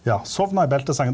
ja, sovna i beltesengen.